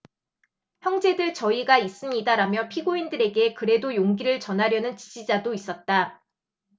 형제들 저희가 있습니다라며 피고인들에게 그래도 용기를 전하려는 지지자도 있었다